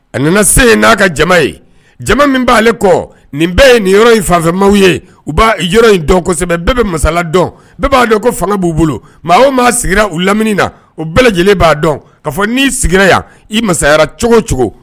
A nana se yen n'a ka jama ye jama min b'ale kɔ nin bɛɛ ye nin yɔrɔ in fanfɛmaw ye u b' yɔrɔ in dɔn kosɛbɛ bɛɛ bɛ masala dɔn bɛɛ b'a dɔn ko fanga b'u bolo maa o maa sigira u lamini na u bɛɛ lajɛlen b'a dɔn ka fɔ n' sigira yan i masayayara cogo cogo